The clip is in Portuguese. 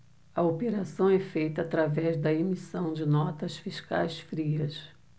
a operação é feita através da emissão de notas fiscais frias